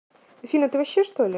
афина ты вообще что ли